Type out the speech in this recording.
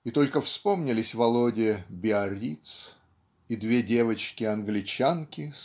И только вспомнились Володе Биарриц и две девочки-англичанки